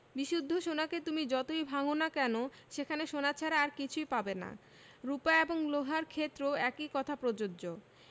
বিশুদ্ধ সোনাকে তুমি যতই ভাঙ না কেন সেখানে সোনা ছাড়া আর কিছু পাবে না রুপা এবং লোহার ক্ষেত্রেও একই কথা প্রযোজ্য